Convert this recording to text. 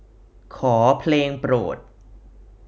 ขอเพลงโปรด